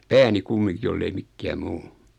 pääni kumminkin jos ei mikään muu